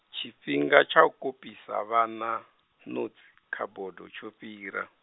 tshifhinga tsha u kopisa vhana, notsi, kha bodo tsho fhira.